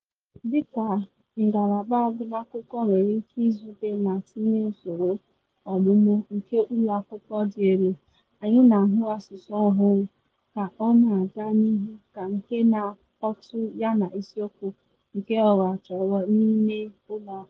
Dị ka ngalaba agụmakwụkwọ nwere ike izube ma tinye usoro ọmụmụ nke ụlọ akwụkwọ dị elu, anyị na ahụ asụsụ ọhụụ ka ọ na aga n’ihu ka nke na akpọtụ yana isiokwu nke nhọrọ achọrọ n’ime ụlọ akwụkwọ.